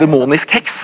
demonisk heks.